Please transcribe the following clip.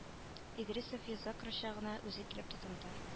Идрисов йозак рычагына үзе килеп тотынды